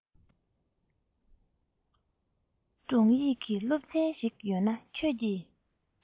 སྒྲུང ཡིག གི སློབ ཚན ཞིག ཡོད ན ཁྱོད ཀྱིས